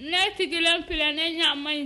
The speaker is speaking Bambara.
Ne sigilen filɛ ne ɲɛ ma ɲi